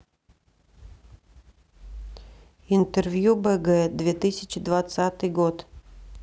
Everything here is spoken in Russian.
интервью бг две тысячи двадцатый год